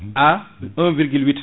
à 1,8